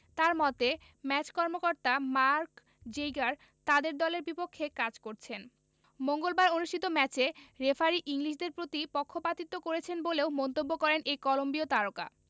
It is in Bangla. তার মতে ম্যাচ কর্মকর্তা মার্ক জেইগার তাদের দলের বিপক্ষে কাজ করেছেন মঙ্গলবার অনুষ্ঠিত ম্যাচে রেফারি ইংলিশদের প্রতি পক্ষিপাতিত্ব করেছেন বলেও মন্তব্য করেন এই কলম্বিয় তারকা